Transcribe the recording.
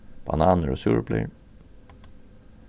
bananir og súreplir